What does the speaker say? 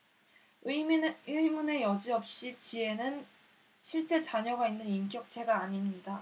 의문의 여지없이 지혜는 실제 자녀가 있는 인격체가 아닙니다